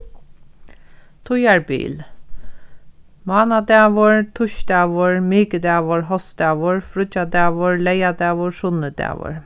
tíðarbil mánadagur týsdagur mikudagur hósdagur fríggjadagur leygardagur sunnudagur